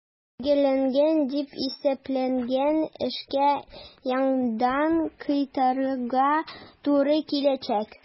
Төгәлләнгән дип исәпләнгән эшкә яңадан кайтырга туры киләчәк.